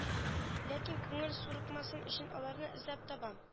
Ләкин күңел сурыкмасын өчен аларны эзләп табам